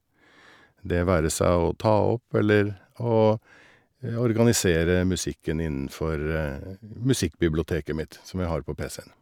Det være seg å ta opp eller å organisere musikken innenfor musikkbiblioteket mitt, som jeg har på PC-en.